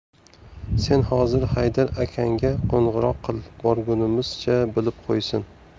sen hozir haydar akangga qo'ng'iroq qil borgunimizcha bilib qo'ysin